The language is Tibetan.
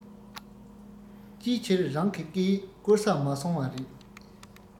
ཅིའི ཕྱིར རང གི སྐད ཡིག བཀོལ ས མ སོང བ རེད